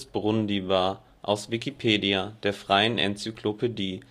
Brundibár, aus Wikipedia, der freien Enzyklopädie